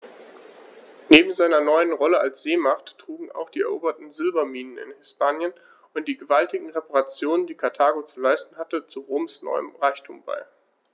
Neben seiner neuen Rolle als Seemacht trugen auch die eroberten Silberminen in Hispanien und die gewaltigen Reparationen, die Karthago zu leisten hatte, zu Roms neuem Reichtum bei.